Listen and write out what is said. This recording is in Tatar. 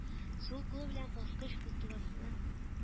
Сул кулы белән баскыч култыксасына